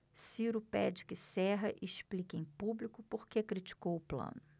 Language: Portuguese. ciro pede que serra explique em público por que criticou plano